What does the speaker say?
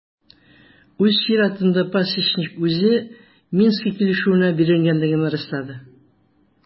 Үз чиратында Пасечник үзе Минск килешүенә бирелгәнлеген раслады.